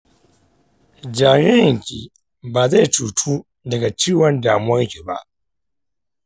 jaririnki ba zai cutu daga ciwon damuwarki ba.